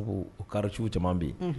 Ko karicogo caman bɛ yen